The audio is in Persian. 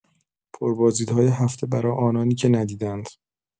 پربازدیدهای هفته برای آنانی که ندیده‌اند.